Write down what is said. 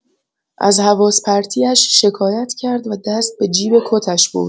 از حواس پرتی‌اش شکایت کرد و دست به جیب کتش برد